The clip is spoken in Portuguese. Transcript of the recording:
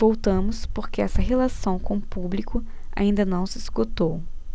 voltamos porque essa relação com o público ainda não se esgotou